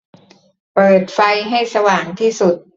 เปิดไฟให้สว่างที่สุด